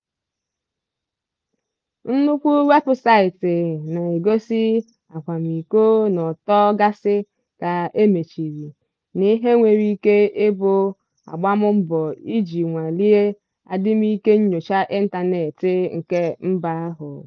Nnukwu weebụsaitị na-egosi akwamiko na ọtọ gasị ka e mechiri, n'ihe nwere ike ịbụ agbamụmbọ iji nwalee adimike nnyocha ịntanetị nke mba ahụ.